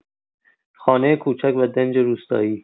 خانه کوچک و دنج روستایی